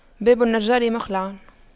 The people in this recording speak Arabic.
باب النجار مخَلَّع